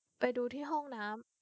ไปดูที่ห้องน้ำ